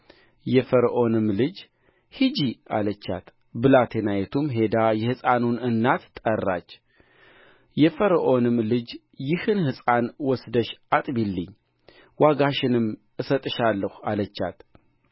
የፈርዖንም ልጅ ሂጂ አለቻት ብላቴናይቱም ሄዳ የሕፃኑን እናት ጠራች የፈርዖንም ልጅ ይህን ሕፃን ወስደሽ አጥቢልኝ ዋጋሽንም እሰጥሻለሁ አለቻት